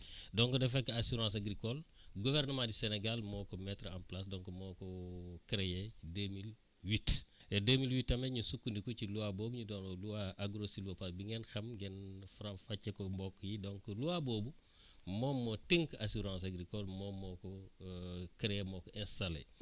donc dafa fekk assurance agricole gouvernement du Sénégal moo ko mettre en place donc moo ko créé 2008 2008 i tam la ñu sukkandiku si loi boobu ñu doon wax loi agrosivopal bi ngeen xam ngee faramfàcce mbokk yi donc loi boobu moom moo tënk assurance agricole moom moo ko créé moo ko installé